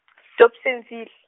Dobsenville.